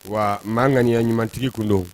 Wa maa kananiya ɲumantigi tun don